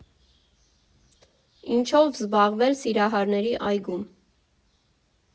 Ինչո՞վ զբաղվել Սիրահարների այգում։